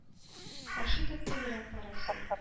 Каршы тотты йөрәк парәсен.